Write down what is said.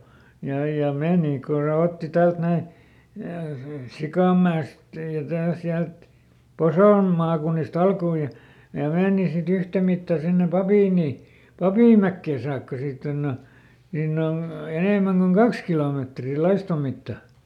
ja ja meni kun se otti täältä näin Sikainmäestä ja - sieltä Poson maakunnista alkua ja ja meni sitten yhtä mittaa sinne - Papinmäkeen saakka siitä on on niin on enemmän kuin kaksi kilometriä laiston mitta